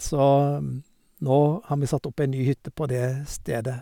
Så nå har vi satt opp ei ny hytte på det stedet.